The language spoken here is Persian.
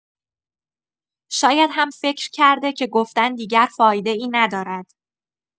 شاید هم فکر کرده که گفتن دیگر فایده‌ای ندارد.